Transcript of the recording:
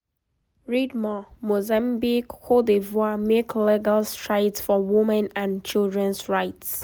Read more: Mozambique, Cote d'Ivoire make legal strides for women and children’s rights